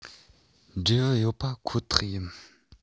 འབྲས བུ ཡོད པ ཁོ ཐག ཡིན